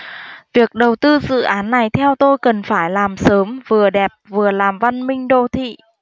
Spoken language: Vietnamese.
việc đầu tư dự án này theo tôi cần phải làm sớm vừa đẹp vừa làm văn minh đô thị